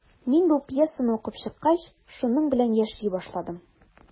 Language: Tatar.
Мин бу пьесаны укып чыккач, шуның белән яши башладым.